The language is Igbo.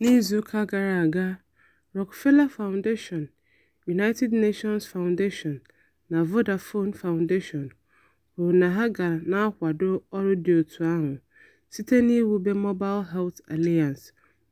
N'izuụka gara aga, Rockefeller Foundation, United Nations Foundation, na Vodafone Foundation kwuru na ha ga na-akwado ọrụ dị otú ahụ site n'iwube Mobile Health Alliance